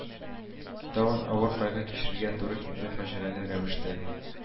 Тагын авыр кайгы кичерергә туры килде фаҗигале рәвештә